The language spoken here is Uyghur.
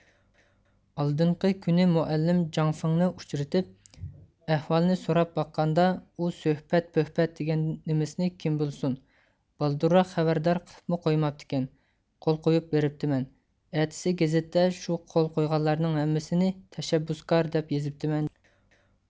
ئالدىنقى كۈنى مۇئەللىم جاڭ فېڭنى ئۇچرىتىپ ئەھۋالنى سوراپ باققاندا ئۇ سۆھبەت پۆھبەت دېگەن نېمىسىنى كىم بىلسۇن بالدۇرراق خەۋەردار قىلىپمۇ قويماپتىكەن قول قويۇپ بېرىپتىمەن ئەتىسى گېزىتتە شۇ قول قويغانلارنىڭ ھەممىسىنى تەشەببۇسكار دەپ يېزىپتىمەن دېدى